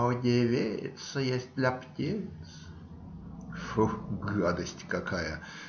У девиц есть для птиц. Фу, гадость какая!.